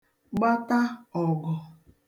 gbata ọ̀gụ̀